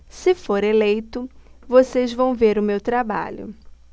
se for eleito vocês vão ver o meu trabalho